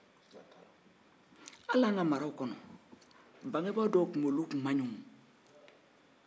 hali an ka maraw kɔnɔ bangebaga dɔs kunkolo tun man ɲi